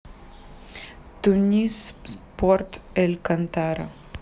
тунис порт эль кантара